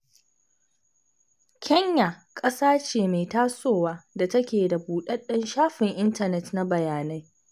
Kenya ƙasa ce mai tasowa da take da buɗaɗɗen shafin intanet na bayanai.